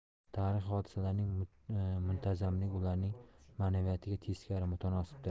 tarixiy hodisalarning muntazamligi ularning ma'naviyatiga teskari mutanosibdir